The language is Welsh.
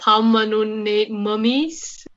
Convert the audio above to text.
pam ma' nw'n neud mummies.